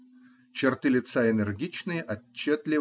Черты лица энергичные, отчетливые